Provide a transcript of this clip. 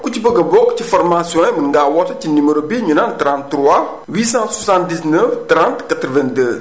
ku ci bëgg a bokk ci formation yi mën ngaa woote ci numéro bii ñu naan 33 879 30 82